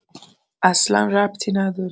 اصلا ربطی نداره.